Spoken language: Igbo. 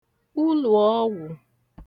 ulùòọgwụ̀